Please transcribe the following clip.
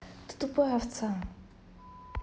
ты тупая овца